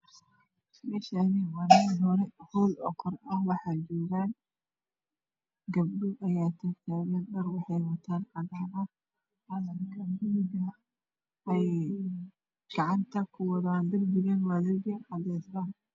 Meshani waa hool oo qol ah waxaa joogan gebdho ayaa tag tagan dhar wexey wataan cadan ah calanka buluga ayeey gacanta ku watan derbigana waa derbi cadees ah